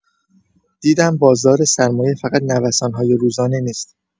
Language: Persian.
دیدم بازار سرمایه فقط نوسان‌های روزانه نیست.